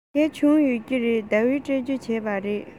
དེ བྱུང ཡོད ཀྱི རེད ཟླ བས སྤྲོད རྒྱུ བྱས པ རེད